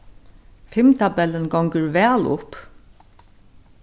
fimmtabellin gongur væl upp